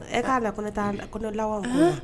E k'a bila ko ko la wa